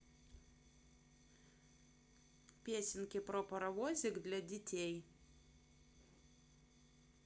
песенки про паровозик для детей